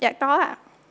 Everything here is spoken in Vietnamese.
dạ có ạ